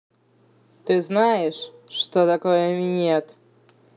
ты знаешь что такое минет